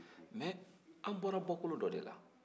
nka an bɔra bɔkolo dɔ de la